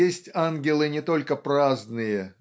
есть ангелы не только праздные